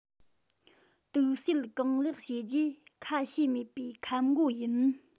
དུག སེལ གང ལེགས བྱས རྗེས ཁ ཕྱེ མེད པའི ཁབ མགོ ཡིན